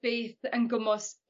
beth yn gwmws